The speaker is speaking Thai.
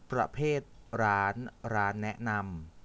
ประเภทร้านร้านแนะนำ